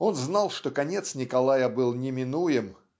Он знал, что конец Николая был неминуем